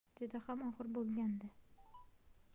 juda ham og'ir bo'lgandi